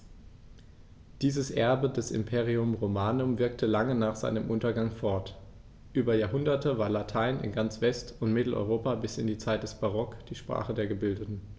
Dieses Erbe des Imperium Romanum wirkte lange nach seinem Untergang fort: Über Jahrhunderte war Latein in ganz West- und Mitteleuropa bis in die Zeit des Barock die Sprache der Gebildeten.